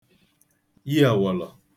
yi àwọ̀lọ̀